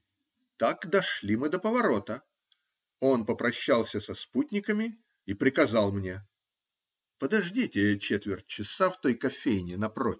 Так дошли мы до поворота, он попрощался со спутниками и приказал мне: -- Подождите четверть часа в той кофейне напротив.